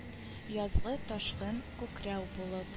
Язгы ташкын, күкрәү булып